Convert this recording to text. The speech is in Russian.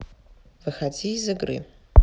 выходи из игры